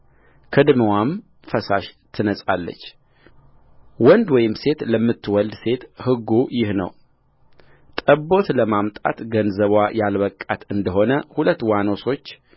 ከደምዋም ፈሳሽ ትነጻለች ወንድ ወይም ሴት ለምትወልድ ሴት ሕጉ ይህ ነውጠቦት ለማምጣት ገንዘብዋ ያልበቃት እንደ ሆነ ሁለት ዋኖሶች